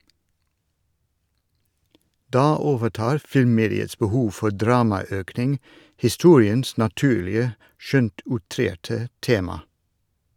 Da overtar filmmediets behov for dramaøkning historiens naturlige - skjønt outrerte - tema.